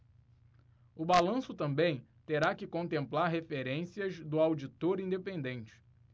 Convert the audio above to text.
o balanço também terá que contemplar referências do auditor independente